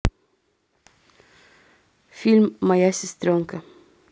фильм моя сестренка